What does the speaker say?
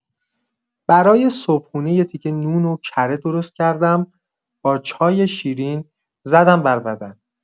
برا صبحونه یه تیکه نون و کره درست کردم با چای‌شیرین زدم بر بدن.